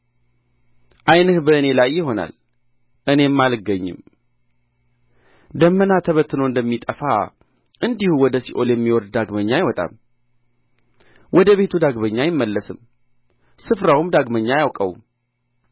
ዓይንህ በእኔ ላይ ይሆናል እኔም አልገኝም ደመና ተበትኖ እንደሚጠፋ እንዲሁ ወደ ሲኦል የሚወርድ ዳግመኛ አይወጣም ወደ ቤቱ ዳግመኛ አይመለስም ስፍራውም ዳግመኛ አያውቀውም